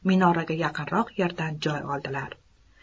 minoraga yaqinroq yerdan joy oldilar